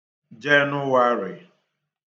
Jenụwarị̀